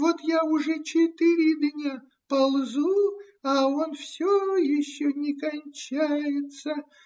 вот уже я четыре дня ползу, а он все еще не кончается.